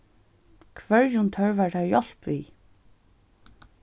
hvørjum tørvar tær hjálp við